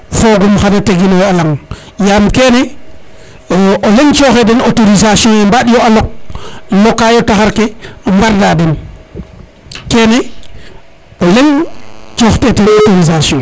fogum xana tegino yo a laŋ yaam kene o leŋ coxe den autorisation ye mbaɗ yo a lok lokayo taxar ke mbara den kene o leŋ coxte ten autorisation